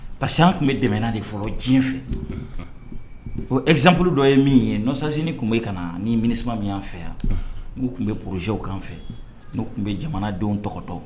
Pa que tun bɛ dɛmɛɛna de fɔ diɲɛ fɛ o ezanpuru dɔ ye min yesanzni tun bɛ' ka na ni mini min fɛ yan n'u tun bɛ bozw fɛ n'u tun bɛ jamanadenw tɔgɔtɔ